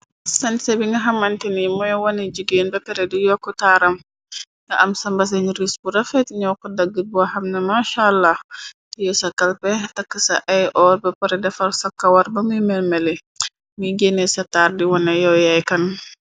Sanse bi nga xamante ni mooy wone jigeen ba pere di yokk taaram ta am sambaseñ ris bu rafeeti ñoo ko daggt bo xamna machala tiyo sa kalpe takk sa ay or ba pare defar sokkowar bamuy melmele muy gennee ca taar di wone yaw yaay kan.